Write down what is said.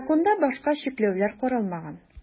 Законда башка чикләүләр каралмаган.